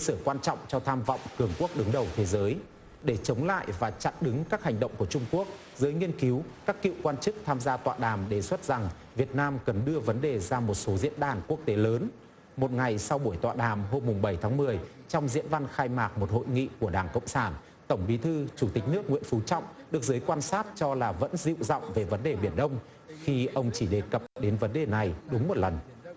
sở quan trọng cho tham vọng cường quốc đứng đầu thế giới để chống lại và chặn đứng các hành động của trung quốc giới nghiên cứu các cựu quan chức tham gia tọa đàm đề xuất rằng việt nam cần đưa vấn đề ra một số diễn đàn quốc tế lớn một ngày sau buổi tọa đàm hôm mùng bảy tháng mười trong diễn văn khai mạc một hội nghị của đảng cộng sản tổng bí thư chủ tịch nước nguyễn phú trọng được giới quan sát cho là vẫn dịu giọng về vấn đề biển đông khi ông chỉ đề cập đến vấn đề này đúng một lần